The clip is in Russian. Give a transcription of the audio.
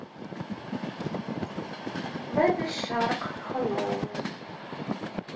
бэби шарк хеллоуин